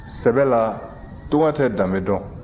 sɛbɛ la tunga tɛ danbe dɔn